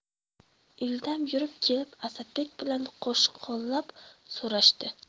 ildam yurib kelib asadbek bilan qo'shqo'llab so'rashdi